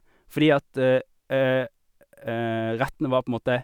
Fordi at rettene var på en måte...